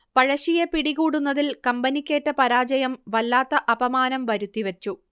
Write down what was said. പഴശ്ശിയെ പിടികൂടുന്നതിൽ കമ്പനിക്കേറ്റ പരാജയം വല്ലാത്ത അപമാനം വരുത്തിവെച്ചു